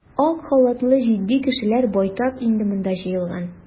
Ак халатлы җитди кешеләр байтак инде монда җыелган.